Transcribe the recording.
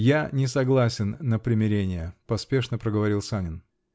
-- Я не согласен на примирение, -- поспешно проговорил Санин.